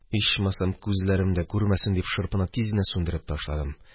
Ичмасам, күзләрем дә күрмәсен дип, шырпыны тиз генә сүндереп ташладым.